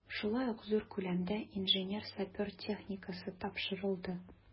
Шулай ук зур күләмдә инженер-сапер техникасы тапшырылды.